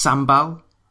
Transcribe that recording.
sambal